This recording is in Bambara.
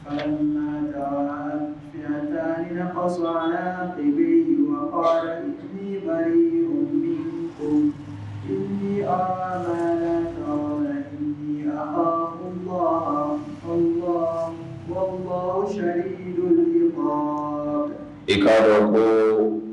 Miniyan miniyan fi saba de bɛ yokari yo n n mɔgɔ zri duuru mɔ i ka ko